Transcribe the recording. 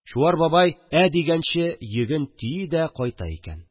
Чуар бабай “ә” дигәнче йөген төйи дә кайта икән